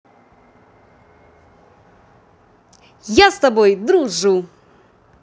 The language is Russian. я с тобой дружу